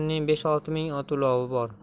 olti ming ot ulovi bor